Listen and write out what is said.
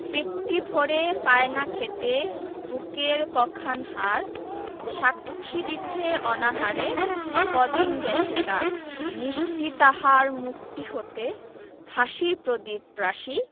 পেটটি ভরে পায় না খেতে বুকের কখান হাড় সাক্ষী দিছে অনাহারে কদিন গেছে তার মিষ্টি তাহার মুখটি হতে হাসির প্রদীপরাশি